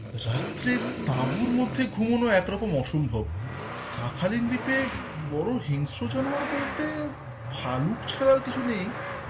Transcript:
রাতে তাঁবুর মধ্যে ঘুমানো এক রকম অসম্ভব শাখালিন দ্বীপে বড্ড হিংস্র জানোয়ার বলতে ভালুক ছাড়া আর কিছু নেই